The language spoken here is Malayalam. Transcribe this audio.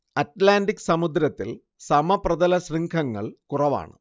അറ്റ്ലാന്റിക് സമുദ്രത്തിൽ സമപ്രതലശൃംഖങ്ങൾ കുറവാണ്